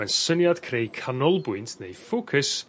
mae'n syniad creu canolbwynt neu focus